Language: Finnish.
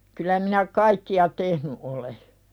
kyllä minä kaikkia tehnyt olen